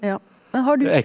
ja men har du.